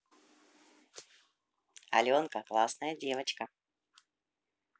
аленка классная девочка